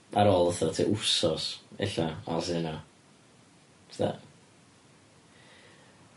Ar ôl fatha tua wsos e'lla os hyna, so there.